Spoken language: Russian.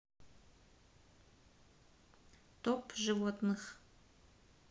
топ животных